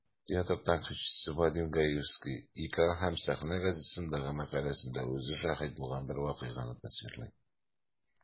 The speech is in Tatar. Театр тәнкыйтьчесе Вадим Гаевский "Экран һәм сәхнә" газетасындагы мәкаләсендә үзе шаһит булган бер вакыйганы тасвирлый.